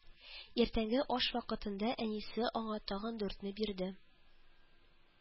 Иртәнге аш вакытында әнисе аңа тагын дүртне бирде